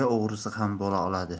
o'g'risi ham bo'la oladi